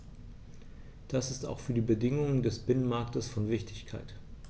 Das ist auch für die Bedingungen des Binnenmarktes von Wichtigkeit.